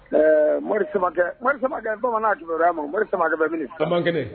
Ɛɛ morikɛ mori sababakɛ bamanan kɛmɛ bɛ ma mori sababakɛ bɛ saba kelen